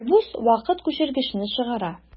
Альбус вакыт күчергечне чыгара.